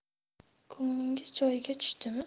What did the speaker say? ko'nglingiz joyiga tushdimi